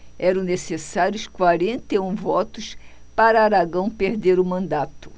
eram necessários quarenta e um votos para aragão perder o mandato